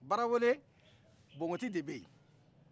barawele bonbonti de beyi